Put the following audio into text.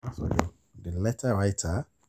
Obasanjo, the letter writer?